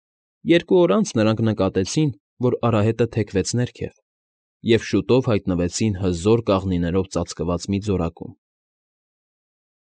Երկու օր անց նրանք նկատեցին, որ արահետը թեքվեց ներքև, և շուտով հայտնվեցին հզոր կաղինիներով ծածկված մի ձորակում։ ֊